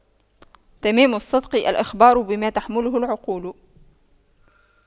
تمام الصدق الإخبار بما تحمله العقول